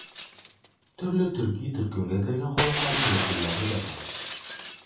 Төрле төрки төркемгә кергән халыкларның вәкилләре дә бар.